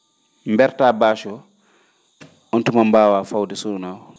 mbertaa bache o oon tuma mbaawaa fawde suuna o